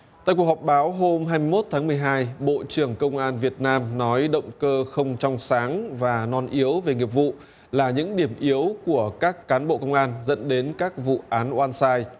tại cuộc họp báo hôm hai mốt tháng mười hai bộ trưởng công an việt nam nói động cơ không trong sáng và non yếu về nghiệp vụ là những điểm yếu của các cán bộ công an dẫn đến các vụ án oan sai